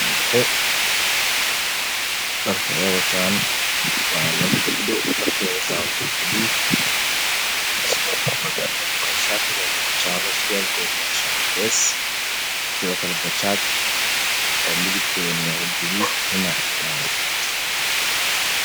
Waa dugsi dhexe dharka ay wataan waa buluug ragga surwaal cadees ah bajaaj guduud